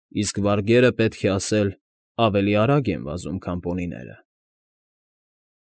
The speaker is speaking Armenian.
Իսկ վարգերը, պետք է ասել, ավելի արագ են վազում, քան պոնիները։